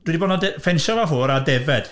Dwi di bo'n ade- ffensio fo ffwrdd a defaid.